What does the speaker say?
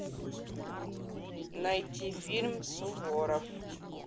найти фильм суворов